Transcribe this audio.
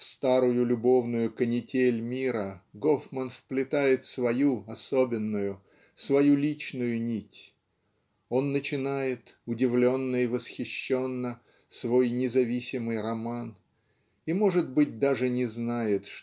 В старую любовную канитель мира Гофман вплетает свою особенную свою личную нить он начинает удивленно и восхищенно свой независимый роман и может быть даже не знает